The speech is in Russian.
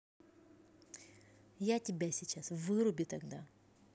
я тебя сейчас выруби тогда